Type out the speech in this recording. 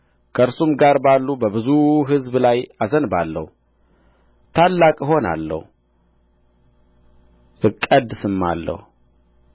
ከእርሱም ጋር ባሉ በብዙ ሕዝብ ላይ አዘንባለሁ ታላቅ እሆናለሁ እቀደስማለሁ